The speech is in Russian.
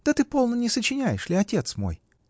-- Да ты, полно, не сочиняешь ли, отец мой?